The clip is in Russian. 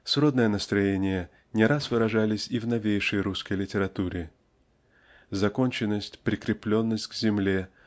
Сродные настроения не раз выражались и в новейшей русской литературе. Законченность прикрепленность к земле